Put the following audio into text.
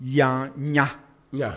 Yan ɲa. ɲa.